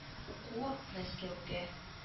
Укуы мәскәүдә